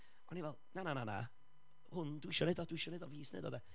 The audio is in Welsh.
O'n i fel, na, na, na, hwn dwi isio wneud o, dwi isio wneud o, fi sy'n wneud o de.